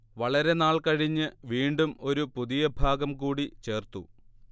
വളരെ നാൾ കഴിഞ്ഞ് വീണ്ടും ഒരു പുതിയ ഭാഗം കൂടി ചേർത്തു